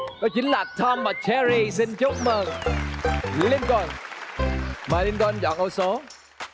đó chính là tom và re ri xin chúc mừng lin côn mời lin côn chọn ô số